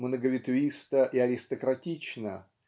многоветвисто и аристократично